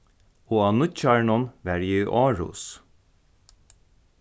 og á nýggjárinum var eg í aarhus